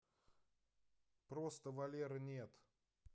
просто валера нет